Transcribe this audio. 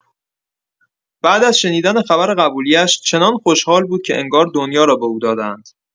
بعد از شنیدن خبر قبولی‌اش، چنان خوشحال بود که انگار دنیا را به او داده‌اند.